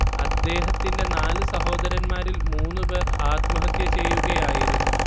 അദ്ദേഹത്തിന്റെ നാലു സഹോദരന്മാരിൽ മൂന്നുപേർ ആത്മഹത്യചെയ്യുകയായിരുന്നു